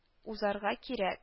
Узарга кирәк: